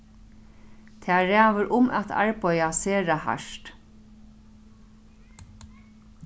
tað ræður um at arbeiða sera hart